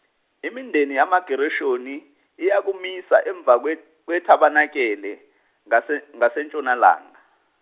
imindeni yamaGereshoni iyakumisa emva kwet-, kwethabemakele ngase-, ngaseNtshonalanga.